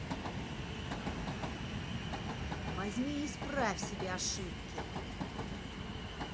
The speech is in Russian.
возьми и исправь себе ошибки